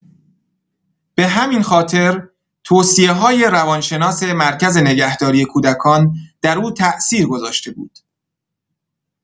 به همین خاطر توصیه‌های روانشناس مرکز نگهداری کودکان در او تاثیر گذاشته بود!